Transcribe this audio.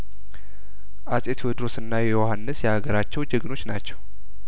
አጼ ቴዎድሮስ እና ዮሀንስ የሀገራቸው ጀግኖች ናቸው